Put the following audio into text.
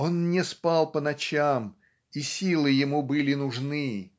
Он не спал по ночам, а силы ему были нужны